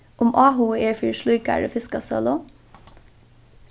um áhugi er fyri slíkari fiskasølu